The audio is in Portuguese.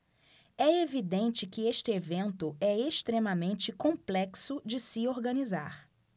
é evidente que este evento é extremamente complexo de se organizar